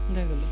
dëgg la